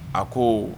A ko